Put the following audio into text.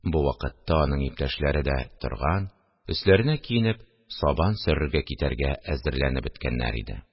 Бу вакытта аның иптәшләре дә торган, өсләренә киенеп, сабан сөрергә китәргә хәзерләнеп беткәннәр иде